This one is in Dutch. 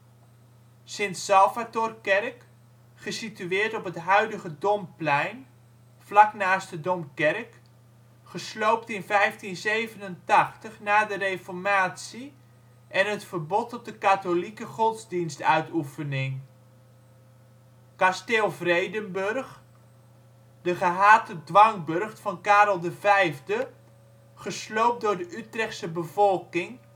Sint-Salvatorkerk, gesitueerd op het huidige Domplein vlak naast de Domkerk. Gesloopt in 1587 na de Reformatie en het verbod op de katholieke godsdienstuitoefening. Kasteel Vredenburg, de gehate dwangburcht van Karel V, gesloopt door de Utrechtse bevolking